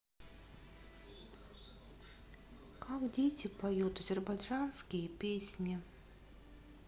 как дети поют азербайджанские песни